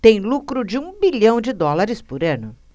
tem lucro de um bilhão de dólares por ano